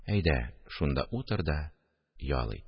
Әйдә, шунда утыр да ял ит